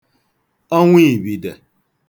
ọnwụ ìbìdè